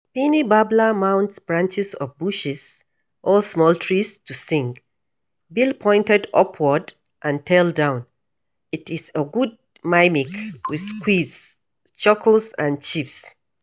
Spiny Babbler mounts branches of bushes or small trees to sing, bill pointed upward and tail down. It is a good mimic, with squeaks, chuckles and chirps.